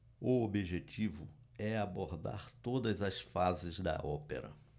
o objetivo é abordar todas as fases da ópera